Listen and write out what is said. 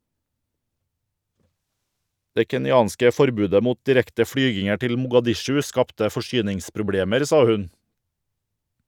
Det kenyanske forbudet mot direkte flyginger til Mogadishu skapte forsyningsproblemer, sa hun.